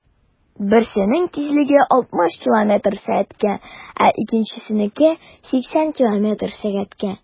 Берсенең тизлеге 60 км/сәг, ә икенчесенеке - 80 км/сәг.